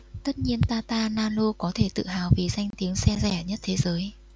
tất nhiên tata nano có thể tự hào vì danh tiếng xe rẻ nhất thế giới